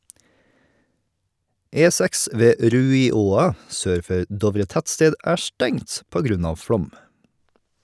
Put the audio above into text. E6 ved Ruiåa, sør for Dovre tettsted, er stengt på grunn av flom.